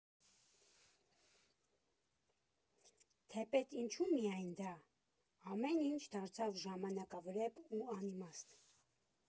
Թեպետ ինչու՞ միայն դա, ամեն ինչ դարձավ ժամանակավրեպ ու անիմաստ։